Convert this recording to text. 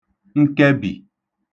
nkẹbì